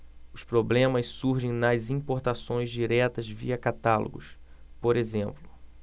os problemas surgem nas importações diretas via catálogos por exemplo